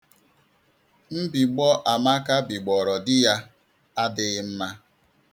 Mbigbọ Amaka bigbọrọ di ya adighị mma.